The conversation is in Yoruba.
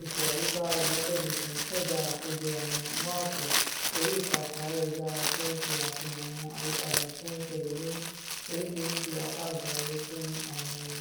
ètò àyíká United Nations ṣẹ̀dá àkójọ àwọn máàpù orí ìtàkùn ayélujára tí ó ń ṣe àfihàn àwọn àyípadà tí ó ń ṣẹlẹ̀ ní oríṣiríṣi apá àgbáyé fún àìmọye ọdún.